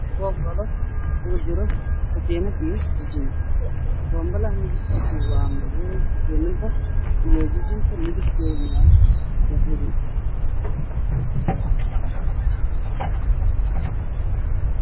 Waa bambalo waa ku jiro ka tiinad boombalaha midadkiisu waa madow ka teenada waa dahabi i oo jaalo